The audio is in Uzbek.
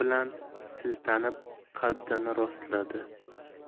bilan siltanib qaddini rostladi